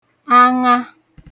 àṅa